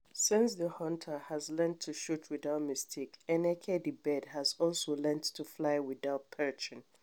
Since the hunter has learned to shoot without missing, Eneke the bird has also learnt to fly without perching.